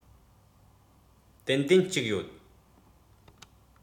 ཏན ཏན གཅིག ཡོད